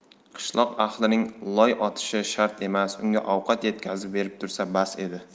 qishloq ahlining loy otishi shart emas unga ovqat yetkazib berib tursa bas edi